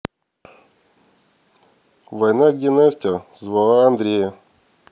война где настя звала андрея